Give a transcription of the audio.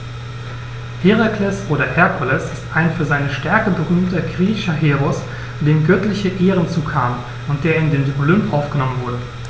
Herakles oder Herkules ist ein für seine Stärke berühmter griechischer Heros, dem göttliche Ehren zukamen und der in den Olymp aufgenommen wurde.